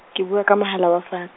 ke bua ka mohala wa fa-.